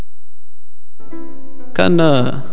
كان